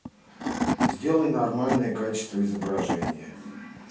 сделай нормальное качество изображения